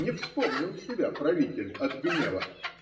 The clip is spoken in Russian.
Не вспомнил себя правитель от гнева.